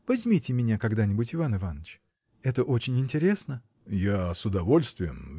Возьмите меня когда-нибудь, Иван Иваныч. Это очень интересно. — Я с удовольствием.